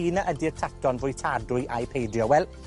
p'un a ydi'r tato'n fwytadwy a'i peidio? Wel,